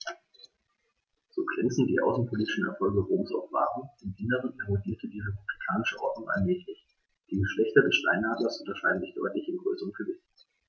So glänzend die außenpolitischen Erfolge Roms auch waren: Im Inneren erodierte die republikanische Ordnung allmählich. Die Geschlechter des Steinadlers unterscheiden sich deutlich in Größe und Gewicht.